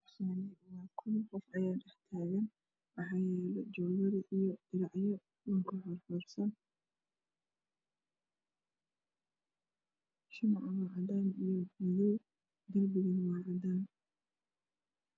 Meeshaani waa qol qof Aya dhax taagan waxa yaalo joodari iyo diracyo shumaca cadaan iyo madow darbiga waa cadaan